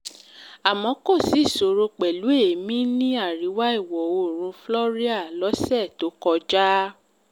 Àmọ́ kò sí ìṣòrò pẹ̀lú èémí ní àríwá-ìwọ̀-oòrùn Floria lọ́sẹ̀ tó kọjá.